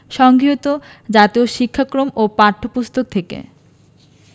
সংগৃহীত জাতীয় শিক্ষাক্রম ও পাঠ্যপুস্তক থেকে